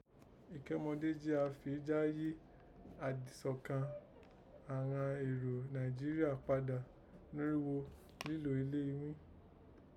Èkémode jí afi ja yí àdìsọ́kàn àghan èrò Nàìjíríà padà norígho lílò ilé ighín.